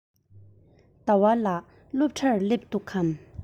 ཟླ བ ལགས སློབ གྲྭར སླེབས འདུག གས